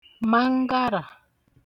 mangarà